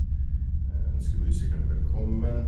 Ønske musikerne velkommen.